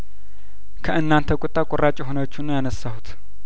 ከእናንተ ቁጣ ቁራጭ የሆነችውን ነው ያነሳሁት